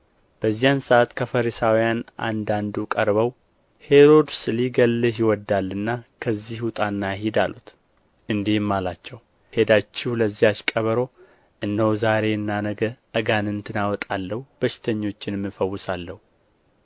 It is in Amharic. በዚያን ሰዓት ከፈሪሳውያን አንዳንዱ ቀርበው ሄሮድስ ሊገድልህ ይወዳልና ከዚህ ውጣና ሂድ አሉት እንዲህም አላቸው ሄዳችሁ ለዚያች ቀበሮ እነሆ ዛሬና ነገ አጋንንትን አወጣለሁ በሽተኞችንም እፈውሳለሁ